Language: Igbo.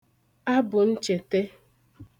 abùnchète